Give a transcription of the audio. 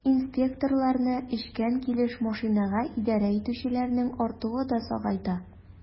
Инспекторларны эчкән килеш машинага идарә итүчеләрнең артуы да сагайта.